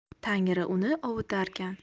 tangri uni ovutarkan